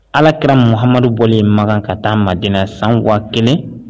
Ala kɛra muhamadubɔlen ma ka taa mad sanwa kɛnɛ